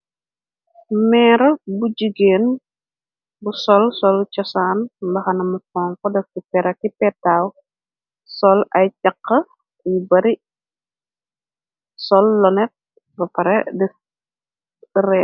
Meer bu jigeen bu sol sol chosaan laxanama fon podof ci pera ki petaaw soll ay caqa yu bari sol lonet bapare red.